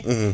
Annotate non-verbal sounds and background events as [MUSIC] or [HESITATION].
[HESITATION] [HESITATION]